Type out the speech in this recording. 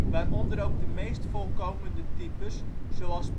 waaronder ook de meest voorkomende types zoals